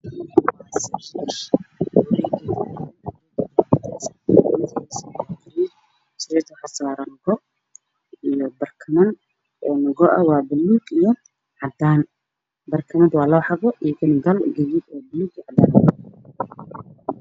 Waa qol waxaa yaalo sariir caddaan waxaa saaran go midabkeedu waa buluug caddaan isku dhex jiro